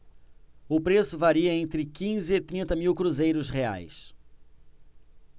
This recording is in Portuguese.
o preço varia entre quinze e trinta mil cruzeiros reais